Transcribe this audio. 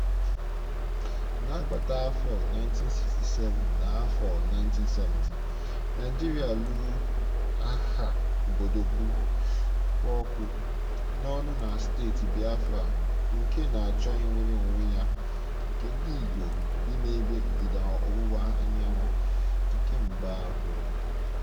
N'agbata afọ 1967 na afọ 1970, Naịjirịa lụrụ agha obodo kpụ ọkụ n'ọnụ na steeti Biafra nke na-achọ inwere onwe ya nke ndị Igbo bi n'ebe ndịda ọwụwa anyanwụ nke mba ahụ.